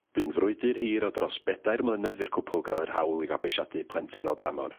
Bu'n frwydr hir o dros bedair mlynedd i'r cwpwl ga'l yr hawl i fabwysiadu plentyn o dramor.